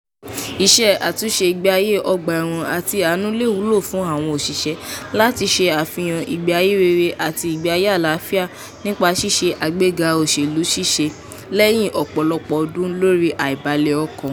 Ìṣe àtúnṣe ìgbé ayé ọgbà ẹ̀wọ̀n àti àánú le wúlò fún àwọn òṣìṣẹ́ láti ṣe àfihàn ìgbé ayé rere, àti ìgbé ayé àlàáfíà nípa ṣíṣe àgbéga òṣèlú ṣíṣe, lẹ́yìn ọ̀pọ̀lọpọ̀ ọdún lórí àìbalẹ̀ọkàn.